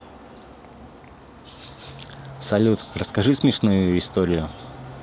салют расскажи смешную историю